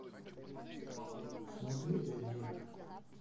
смотреть один